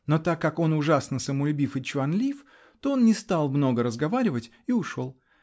но так как он ужасно самолюбив и чванлив, то он не стал много разговаривать -- и ушел.